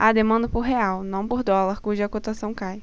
há demanda por real não por dólar cuja cotação cai